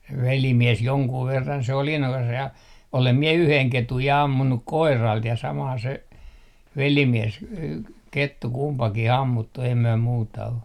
velimies jonkun verran se oli innokas ja olen minä yhden ketun ja ampunut koiralta ja saman se velimies - kettu kumpikin ammuttu ei me muuta ole